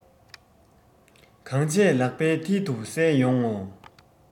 གང བྱས ལག པའི མཐིལ དུ གསལ ཡོང ངོ